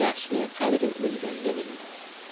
yaxshining qadri o'lganda bilinar